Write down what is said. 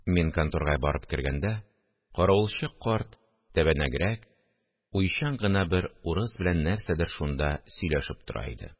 Мин конторга барып кергәндә, каравылчы карт тәбәнәгрәк, уйчан гына бер урыс белән нәрсәдер шунда сөйләшеп тора иде